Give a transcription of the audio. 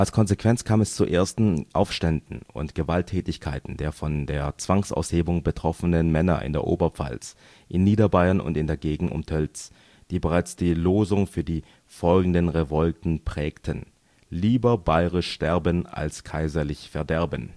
Konsequenz kam es zu ersten Aufständen und Gewalttätigkeiten der von der Zwangsaushebung betroffenen Männer in der Oberpfalz, in Niederbayern und in der Gegend um Tölz, die bereits die Losung für die folgenden Revolten prägten: Lieber bairisch stea'm, als kaiserlich verdea'm